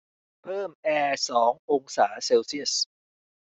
เพิ่มแอร์สององศาเซลเซียส